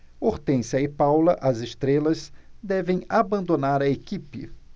hortência e paula as estrelas devem abandonar a equipe